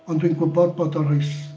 Ond dwi'n gwybod bod o'n rhoi s-...